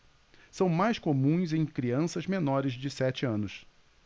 são mais comuns em crianças menores de sete anos